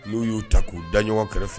N'u y'u ta k'u daɲɔgɔn kɛrɛfɛ